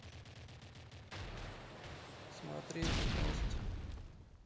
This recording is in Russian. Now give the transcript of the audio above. смотреть насть